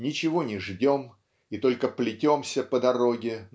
ничего не ждем и только плетемся по дороге